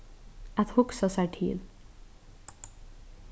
at hugsa sær til